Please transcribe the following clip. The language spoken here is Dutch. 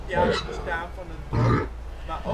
100-jarig bestaan van het dorp, maar